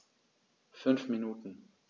5 Minuten